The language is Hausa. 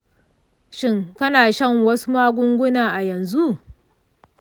shin kana shan wasu magunguna a yanzu?